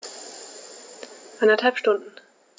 Eineinhalb Stunden